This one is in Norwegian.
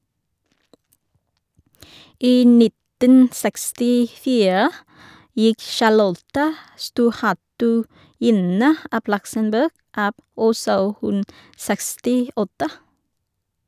I 1964 gikk Charlotte, storhertuginne av Luxembourg, av, også hun 68.